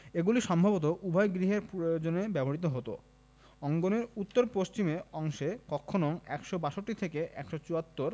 এগুলি সম্ভবত উভয় গৃহের প্রয়োজনে ব্যবহূত হতো অঙ্গনের উত্তর পশ্চিম অংশে কক্ষ নং ১৬২ থেকে ১৭৪